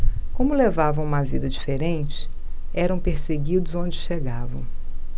como levavam uma vida diferente eram perseguidos onde chegavam